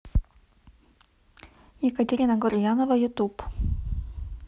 екатерина гурьянова ютуб